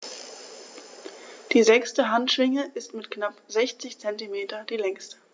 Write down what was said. Die sechste Handschwinge ist mit knapp 60 cm die längste.